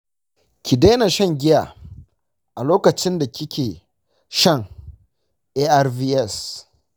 ki daina shan giya a lokacin da kike kan shan arvs.